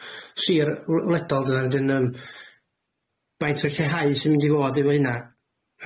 Sir w- wledol dydan wedyn yym faint o llehau sy'n mynd i fod efo hunna?